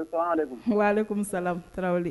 salaamaleku waleykun salam i Tarawele.